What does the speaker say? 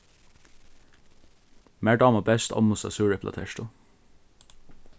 mær dámar best ommusa súreplatertu